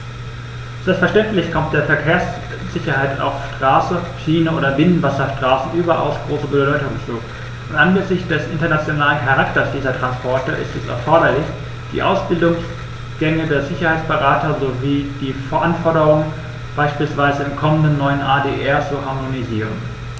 Selbstverständlich kommt der Verkehrssicherheit auf Straße, Schiene oder Binnenwasserstraßen überaus große Bedeutung zu, und angesichts des internationalen Charakters dieser Transporte ist es erforderlich, die Ausbildungsgänge für Sicherheitsberater sowie die Anforderungen beispielsweise im kommenden neuen ADR zu harmonisieren.